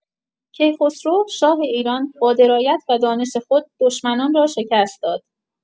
کیخسرو، شاه ایران، با درایت و دانش خود دشمنان را شکست داد.